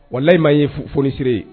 Wa laribahi ye fonisire ye